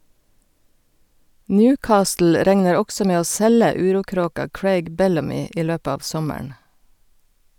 Newcastle regner også med å selge urokråka Craig Bellamy i løpet av sommeren.